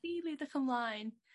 Fi'n edrych ymlaen.